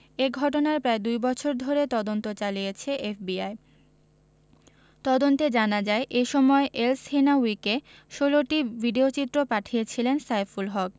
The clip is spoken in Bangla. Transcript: এ ঘটনায় প্রায় দুই বছর ধরে তদন্ত চালিয়েছে এফবিআই তদন্তে জানা যায় এ সময় এলসহিনাউয়িকে ১৬টি ভিডিওচিত্র পাঠিয়েছিলেন সাইফুল হক